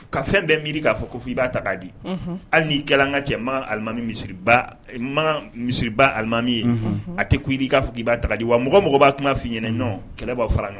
Ka fɛn bɛɛ miiri k'a fɔ ko fɔ i b'a ta k'a di hali ni ii kɛ an ka cɛ malimami ma misiba alimami ye a tɛ ko i k'a fɔ i b'a ta di wa mɔgɔ mɔgɔ b'a tun b'a fi i ɲɛna ɲɔgɔn kɛlɛ' fara